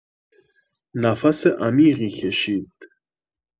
نفس عمیقی کشید.